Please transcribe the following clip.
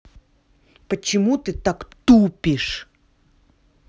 почему ты так тупишь